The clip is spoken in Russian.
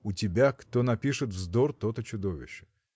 – У тебя кто напишет вздор, тот и чудовище.